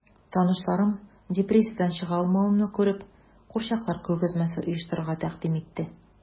Танышларым, депрессиядән чыга алмавымны күреп, курчаклар күргәзмәсе оештырырга тәкъдим итте...